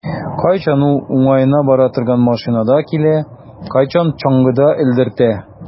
Кайчан юл уңаена бара торган машинада килә, кайчан чаңгыда элдертә.